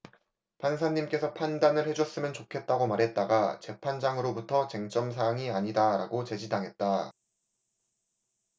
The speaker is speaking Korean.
판사님께서 판단을 해줬으면 좋겠다고 말했다가 재판장으로부터 쟁점 사항이 아니다라고 제지당했다